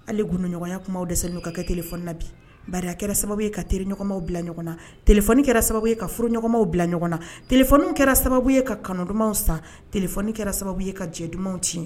Ale gunɲɔgɔnya kuma de sakɛ tf na bi barika kɛra sababu ye ka tɔgɔmaw bila ɲɔgɔn na t kɛra sababu ye ka furu ɲɔgɔnɔgɔw bila ɲɔgɔn na tf kɛra sababu ye ka kanu dumanw san tf kɛra sababu ye ka jɛ dumanw tiɲɛ